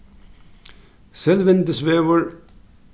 selvindisvegur